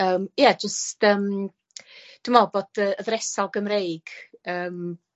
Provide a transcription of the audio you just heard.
Yym ie jyst yym dwi me'wl bod y y ddresol Gymreig yym